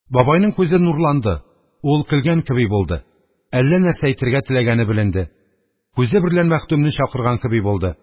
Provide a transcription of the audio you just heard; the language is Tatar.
Бабайның күзе нурланды: ул көлгән кеби булды, әллә нәрсә әйтергә теләгәне беленде, күзе берлән мәхдүмне чакырган кеби булды